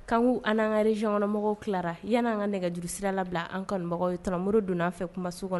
Kanku an'an kareyɔnmɔgɔw tilara yan n'an ka nɛgɛ jurusira labila an kabagaw ye tmomuru don an fɛ kuma so kɔnɔ